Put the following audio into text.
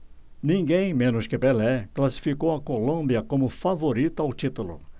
ninguém menos que pelé classificou a colômbia como favorita ao título